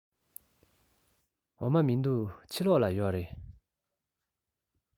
མི འདུག ཕྱི ལོགས ལ ཡོད རེད